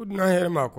Ko dunan hɛrɛ ma kuwa